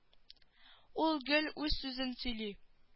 Ул гел үз сүзен сөйли